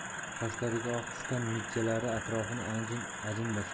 sochlariga oq tushgan mijjalari atrofini ajin bosgan